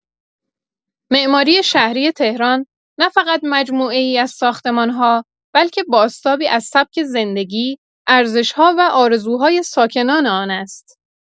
معماری شهری تهران نه‌فقط مجموعه‌ای از ساختمان‌ها، بلکه بازتابی از سبک زندگی، ارزش‌ها و آرزوهای ساکنان آن است.